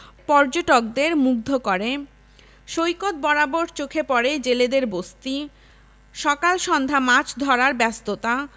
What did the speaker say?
পর্যটকদের মুগ্ধ করে সৈকত বরাবর চোখে পড়ে জেলেদের বস্তি সকাল সন্ধ্যা মাছ ধরার ব্যস্ততা